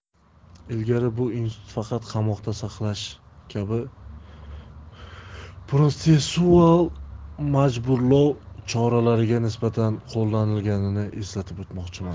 ilgari bu institut faqat qamoqda saqlash kabi protsessual majburlov choralariga nisbatan qo'llanganini eslatib o'tmoqchiman